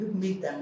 I tun b'i kan